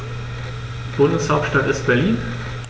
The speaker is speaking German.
Bundeshauptstadt ist Berlin.